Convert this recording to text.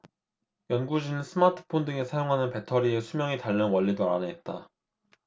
연구진은 스마트폰 등에 사용하는 배터리의 수명이 닳는 원리도 알아냈다